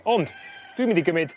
Ond dwi'n mynd i gymyd